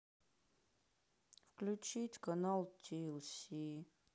включить канал тлс